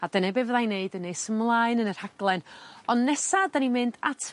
a dyne be' fyddai'n neud yn nes ymlaen yn y rhaglen ond nesa 'dan ni'n mynd at...